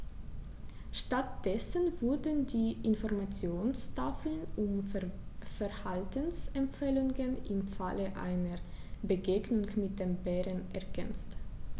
Stattdessen wurden die Informationstafeln um Verhaltensempfehlungen im Falle einer Begegnung mit dem Bären ergänzt.